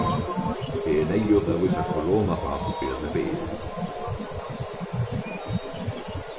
tað er neyðugt at vísa koronapass fyri at sleppa inn